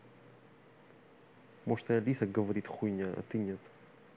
может и алиса говорит хуйня а ты нет